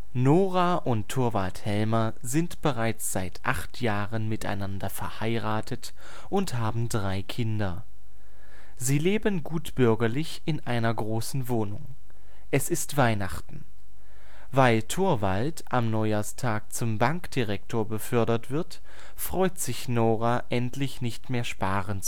Nora und Torvald Helmer sind bereits seit acht Jahren miteinander verheiratet und haben drei Kinder. Sie leben gutbürgerlich in einer großen Wohnung. Es ist Weihnachten. Weil Torvald am Neujahrstag zum Bankdirektor befördert wird, freut sich Nora, endlich nicht mehr sparen